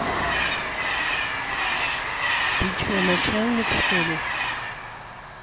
ты че начальник что ли